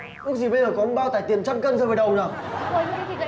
ước gì bây giờ có một bao tải tiền trăm cân rơi vào đầu nhỉ